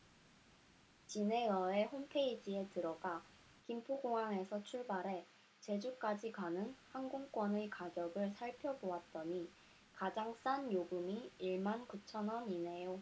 진에어의 홈페이지에 들어가 김포공항에서 출발해 제주까지 가는 항공권의 가격을 살펴 보았더니 가장 싼 요금이 일 만 구천 원이네요